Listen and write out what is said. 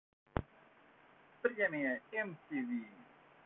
премия mtv